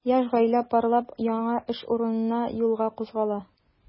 Яшь гаилә парлап яңа эш урынына юлга кузгала.